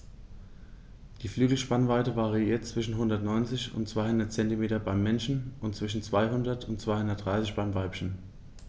Die Flügelspannweite variiert zwischen 190 und 210 cm beim Männchen und zwischen 200 und 230 cm beim Weibchen.